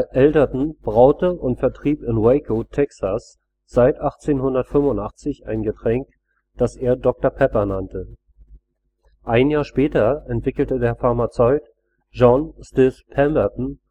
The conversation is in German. Alderton braute und vertrieb in Waco, Texas seit 1885 ein Getränk, das er Dr Pepper nannte. Ein Jahr später entwickelte der Pharmazeut John Stith Pemberton